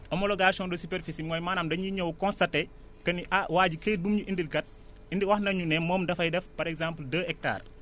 homologation de superficie mooy maanaam dañuy ñëw constaté que ni ah waa ji këyit bu mu ñu indil kat indi wax na ñu ne moom dafay def par exemple deux hectares